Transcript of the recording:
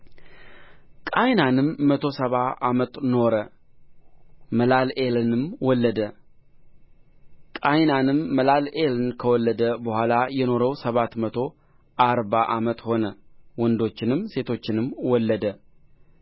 ቃይናንም መቶ ሰባ ዓመት ኖረ መላልኤልንም ወለደ ቃይናንም መላልኤልን ከወለደ በኋላ የኖረው ሰባት መቶ አርባ ዓመት ሆነ ወንዶችንም ሴቶችንም ወለደ